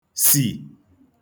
sì